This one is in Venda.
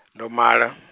ndo mala .